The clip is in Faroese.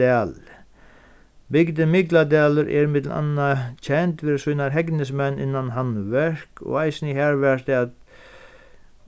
dali bygdin mikladalur er millum annað kend fyri sínar hegnismenn innan handverk og eisini har var tað at